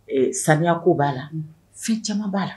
Samiko b'a la fi caman b'a la